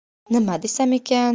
nima desam ekan